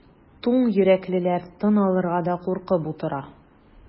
Туң йөрәклеләр тын алырга да куркып утыра.